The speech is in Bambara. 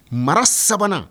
Mara sabanan